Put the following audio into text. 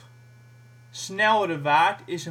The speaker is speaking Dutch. buurtschap